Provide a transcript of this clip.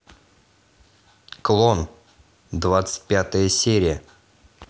клон двадцать пятая серия